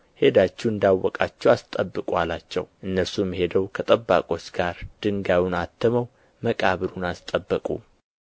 ሄዳችሁ እንዳወቃችሁ አስጠብቁ አላቸው እነርሱም ሄደው ከጠባቆች ጋር ድንጋዩን አትመው መቃብሩን አስጠበቁ